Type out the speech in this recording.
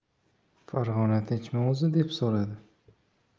farg'ona tinchmi o'zi deb so'radi